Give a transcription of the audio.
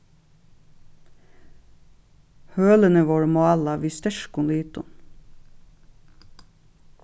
hølini vóru málað við sterkum litum